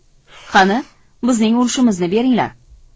qani bizning ulushimizni beringlar